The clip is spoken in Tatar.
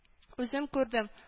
— үзем күрдем